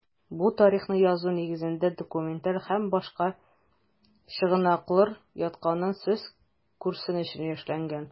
Бу тарихны язу нигезенә документаль һәм башка чыгынаклыр ятканын сез күрсен өчен эшләнгән.